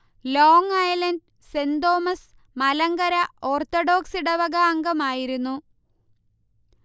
long island Saint Thomas Malankara orthodox ഇടവക അംഗമായിരുന്നു